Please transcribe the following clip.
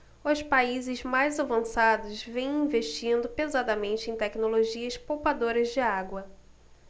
os países mais avançados vêm investindo pesadamente em tecnologias poupadoras de água